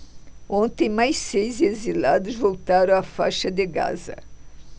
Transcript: ontem mais seis exilados voltaram à faixa de gaza